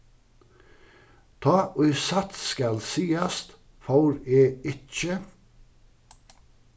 tá ið satt skal sigast fór eg ikki